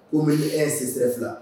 Ko bɛ e sisɛ fila